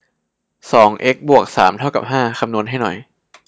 สองเอ็กซ์บวกสามเท่ากับห้าคำนวณให้หน่อย